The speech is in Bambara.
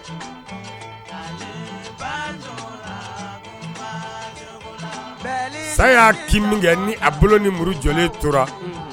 Sa y'a kin min kɛ ni a bolo ni muru jɔlen tora unhun